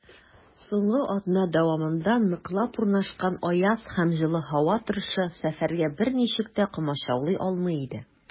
Соңгы атна дәвамында ныклап урнашкан аяз һәм җылы һава торышы сәфәргә берничек тә комачаулый алмый иде.